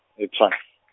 e- Tshwan-.